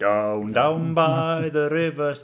Dow- down by the rivers-